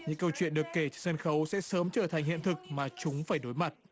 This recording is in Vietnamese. những câu chuyện được kể sân khấu sẽ sớm trở thành hiện thực mà chúng phải đối mặt